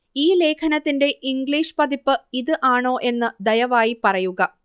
ഈ ലേഖനത്തിന്റെ ഇംഗ്ലീഷ് പതിപ്പ് ഇത് ആണോ എന്ന് ദയവായി പറയുക